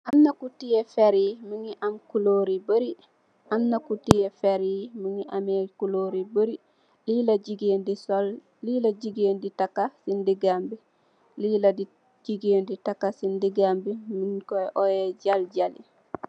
Am na ku teyeh ferryi mugee ameh kulorr yu barri. Li gigeen di takka ci ndigam bi ñi Koy óyeh jaljali.